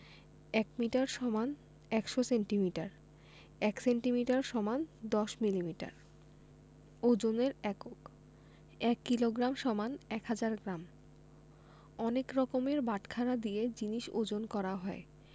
১ metre = ১০০ centimetre ১ centimetre = ১০ millimetre ওজনের এককঃ ১ kilogram = ১০০০ gram অনেক রকমের বাটখারা দিয়ে জিনিস ওজন করা হয়